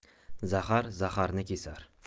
zahar zaharni kesar